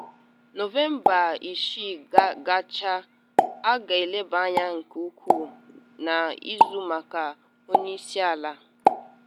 “Nọvemba 6 gachaa, A ga-elebe anya nke ukwuu n’ịzọ maka onye isi ala.”